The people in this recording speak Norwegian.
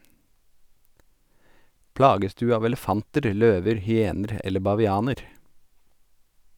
Plages du av elefanter, løver, hyener eller bavianer?